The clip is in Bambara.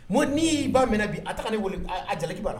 N'i y'i ba minɛ bi a ta ni wuli a jatigiki'a la